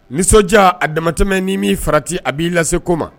Nisɔndiya a damatɛmɛ n' m mini farati a b'i laseko ma